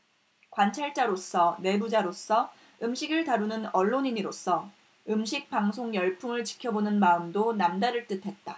관찰자로서 내부자로서 음식을 다루는 언론인으로서 음식 방송 열풍을 지켜보는 마음도 남다를 듯했다